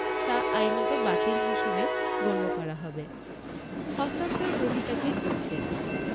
তা আইনত বাতিল হিসেবে গণ্য করা হবে হস্তান্তর গ্রহীতাকে উচ্ছেদ